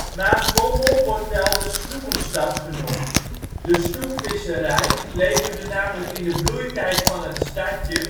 Maasbommel wordt wel de Snoekenstad genoemd. De snoekvisserij leverde namelijk in de bloeitijd van het stadje